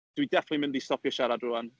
Dwi definitely mynd i stopio siarad rŵan.